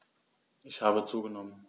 Ich habe zugenommen.